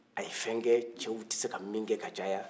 a ye fɛn kɛ cɛw tɛ se ka min kɛ ka caya